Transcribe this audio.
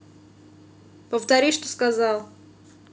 повтори что сказал